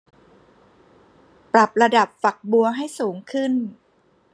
ปรับระดับฝักบัวให้สูงขึ้น